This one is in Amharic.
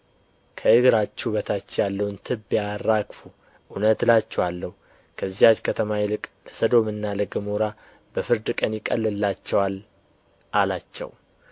ከእግራችሁ በታች ያለውን ትቢያ አራግፉ እውነት እላችኋለሁ ከዚያች ከተማ ይልቅ ለሰዶምና ለገሞራ በፍርድ ቀን ይቀልላቸዋል አላቸው